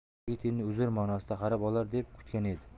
yigit endi uzr ma'nosida qarab olar deb kutgan edi